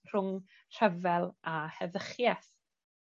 rhwng rhyfel a heddychieth.